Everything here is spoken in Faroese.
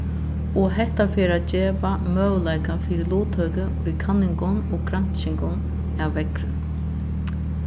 og hetta fer at geva møguleika fyri luttøku í kanningum og granskingum av veðri